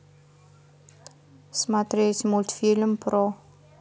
смотреть мультфильм про